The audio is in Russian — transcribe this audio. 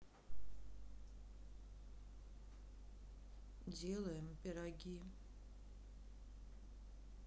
делаем пироги